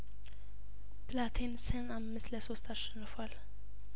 ፕላቴንሴን አምስት ለሶስት አሸንፏል